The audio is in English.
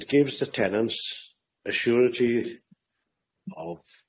It gives the tenants assurity of